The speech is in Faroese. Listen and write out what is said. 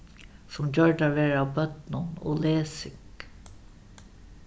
sum gjørdar verða av børnum og lesing